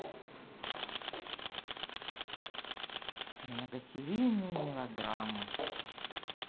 многосерийные мелодрамы